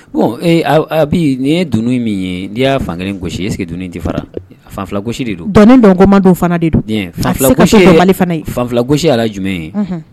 Bi nin ye dunun min ye n'i y'a fankelen gosi e sigi dunun tɛ fara fanfi de do bɔ komandɔ fana de gosisi yɛrɛ jumɛn ye